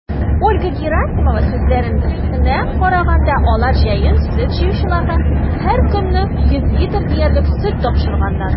Ольга Герасимова сүзләренә караганда, алар җәен сөт җыючыларга һәркөнне 100 литр диярлек сөт тапшырганнар.